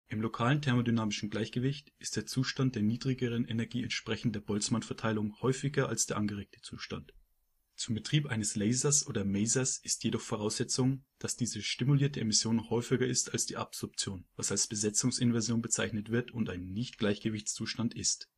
lokalen thermodynamischen Gleichgewicht ist der Zustand der niedrigeren Energie entsprechend der Boltzmann-Verteilung häufiger als der angeregte Zustand. Zum Betrieb eines Lasers oder Masers ist es jedoch Voraussetzung, dass die stimulierte Emission häufiger ist als die Absorption, was als Besetzungsinversion bezeichnet wird und ein Nicht-Gleichgewichtszustand ist